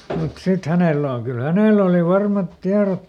mutta sitten hänellä on kyllä hänellä oli varmat tiedot